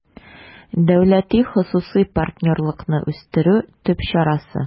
«дәүләти-хосусый партнерлыкны үстерү» төп чарасы